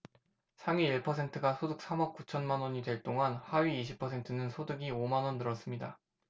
상위 일 퍼센트가 소득 삼 억 구천 만원이 될 동안 하위 이십 퍼센트는 소득이 오 만원 늘었습니다